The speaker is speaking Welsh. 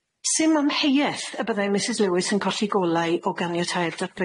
Sim amheuaeth y byddai Misys Lewis yn colli golau o ganiatáu'r datblygiad.